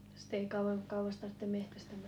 sitä ei kauas tarvitse metsästämään